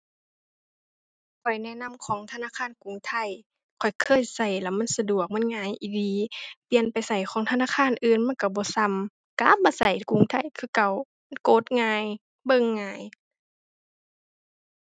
ข้อยแนะนำของธนาคารกรุงไทย ข้อยเคยใช้แล้วมันสะดวกมันง่ายอีหลี เปลี่ยนไปใช้ของธนาคารอื่นมันใช้บ่ส่ำ กลับมาใช้กรุงไทยคือเก่า มันกดง่าย เบิ่งง่าย